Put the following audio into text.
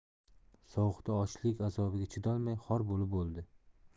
sovuqda ochlik azobiga chidolmay xor bo'lib o'ldi